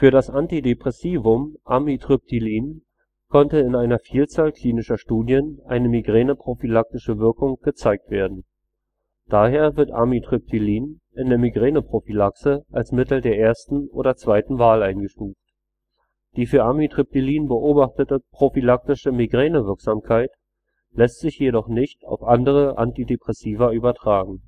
das Antidepressivum Amitriptylin konnte in einer Vielzahl klinischer Studien eine migräneprophylaktische Wirkung gezeigt werden. Daher wird Amitriptylin in der Migräneprophylaxe als Mittel der ersten oder zweiten Wahl eingestuft. Die für Amitriptylin beobachtete prophylaktische Migränewirksamkeit lässt sich jedoch nicht auf andere Antidepressiva übertragen